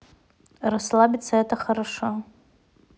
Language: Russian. расслабиться это хорошо